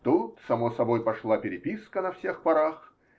Тут, само собой, пошла переписка на всех парах.